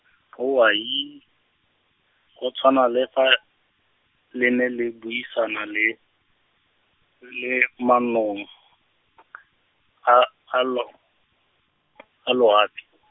owai, go tshwana le fa, le ne le buisana le, re le manong , a, a lo- , a loapi.